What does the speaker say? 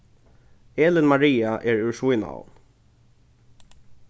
elin maria er úr svínáum